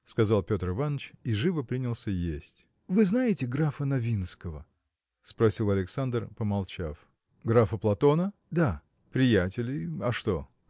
– сказал Петр Иваныч и живо принялся есть. – Вы знаете графа Новинского? – спросил Александр, помолчав. – Графа Платона? – Да. – Приятели; а что?